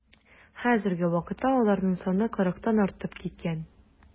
Хәзерге вакытта аларның саны кырыктан артып киткән.